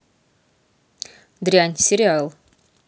дрянь сериал